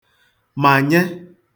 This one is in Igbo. mànye